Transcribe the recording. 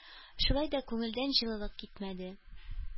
Шулай да күңелдән җылылык китмәде.